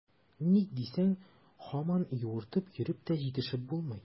Ник дисәң, һаман юыртып йөреп тә җитешеп булмый.